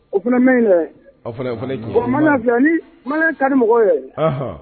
O tuma mɛn a fana bɔn ma lafi yan ni ma tan ni mɔgɔ ye